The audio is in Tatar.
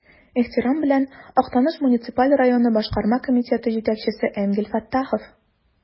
Ихтирам белән, Актаныш муниципаль районы Башкарма комитеты җитәкчесе Энгель Фәттахов.